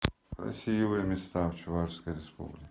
красивые места в чувашской республике